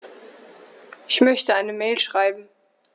Ich möchte eine Mail schreiben.